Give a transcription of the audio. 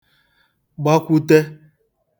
gbakwute